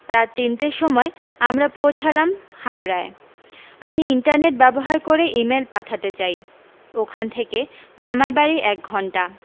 রাত তিন টের সময় আমরা পৌছালাম হাওড়ায় আমি ইন্টারনেট ব্যবহার করে ইমেল পাঠাতে চাই ওখান থেকে মামার বাড়ী এক ঘণ্টা